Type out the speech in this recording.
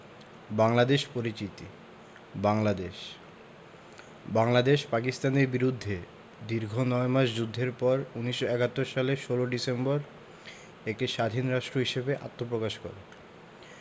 বাংলাদেশ পরিচিতি বাংলাদেশ বাংলাদেশ পাকিস্তানের বিরুদ্ধে দীর্ঘ নয় মাস যুদ্ধের পর ১৯৭১ সালের ১৬ ডিসেম্বর একটি স্বাধীন রাষ্ট্র হিসেবে আত্মপকাশ করে